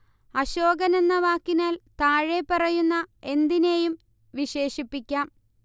അശോകനെന്ന വാക്കിനാൽ താഴെപ്പറയുന്ന എന്തിനേയും വിശേഷിപ്പിക്കാം